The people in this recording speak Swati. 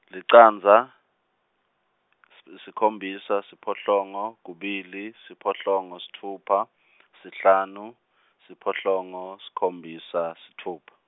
licandza, s- sisikhombisa siphohlongo, kubili, siphohlongo, sitfupha , sihlanu, siphohlongo, sikhombisa, sitfupha.